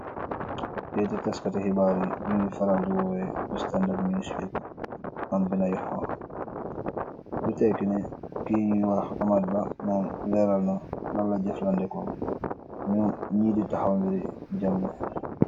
Keyti taskati xibaar yuñuy faraldi woowe ñu standard new spep am binayu xox yu tekkine ki ñuy waax amat ba moo leeral na lanla jaflandeko ñu ñjiiti taxaw mbiri jàmme.